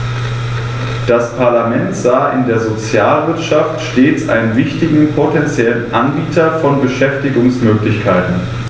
Das Parlament sah in der Sozialwirtschaft stets einen wichtigen potentiellen Anbieter von Beschäftigungsmöglichkeiten.